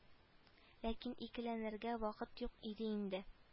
Ләкин икеләнергә вакыт юк иде инде